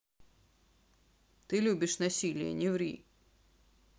ты любишь насилия не ври